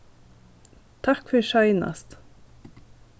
takk fyri seinast